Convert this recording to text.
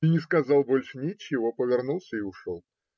И не сказал больше ничего, повернулся и ушел.